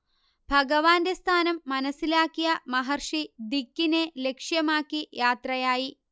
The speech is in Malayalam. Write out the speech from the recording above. ഭഗവാന്റെ സ്ഥാനം മനസ്സിലാക്കിയ മഹർഷി ദിക്കിനെ ലക്ഷ്യമാക്കി യാത്രയായി